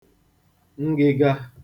ngị̄gā